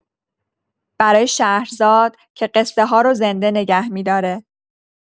برای شهرزاد، که قصه‌ها رو زنده نگه می‌داره.